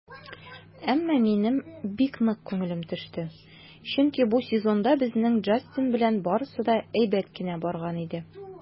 Әмма минем бик нык күңелем төште, чөнки бу сезонда безнең Джастин белән барысы да әйбәт кенә барган иде.